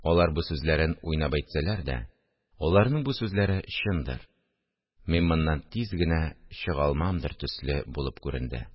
Алар бу сүзләрен уйнап әйтсәләр дә, аларның бу сүзләре чындыр, мин моннан тиз генә чыга алмамдыр төсле булып күренде